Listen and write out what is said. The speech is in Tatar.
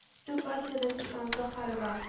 Төп партиядә светлана захарова